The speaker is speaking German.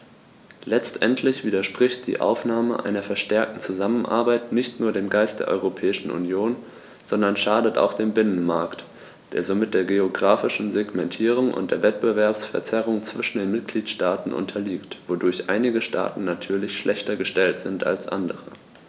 Letztendlich widerspricht die Aufnahme einer verstärkten Zusammenarbeit nicht nur dem Geist der Europäischen Union, sondern schadet auch dem Binnenmarkt, der somit der geographischen Segmentierung und der Wettbewerbsverzerrung zwischen den Mitgliedstaaten unterliegt, wodurch einige Staaten natürlich schlechter gestellt sind als andere.